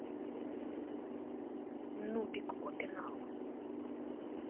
нубик опенал